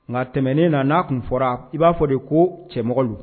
Nka tɛmɛnen na n'a tun fɔra i b'a fɔ de ko cɛmɔgɔ